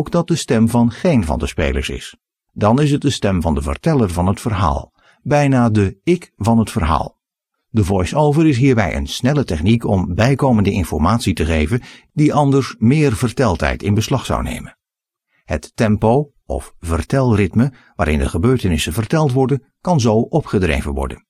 dat de stem van geen van de spelers is. Dan is het de stem van de verteller van het verhaal, bijna de ' ik ' van het verhaal. De voice-over is hierbij een snelle techniek om bijkomende informatie te geven die anders meer verteltijd zou in beslag nemen. Het tempo (vertelritme) waarin de gebeurtenissen verteld worden kan zo opgedreven worden